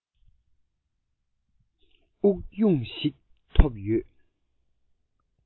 དབུགས དབྱུང ཞིག ཐོབ ཡོང